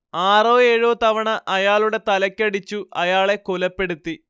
ആറോ ഏഴോ തവണ അയാളുടെ തലക്കടിച്ചു അയാളെ കൊലപ്പെടുത്തി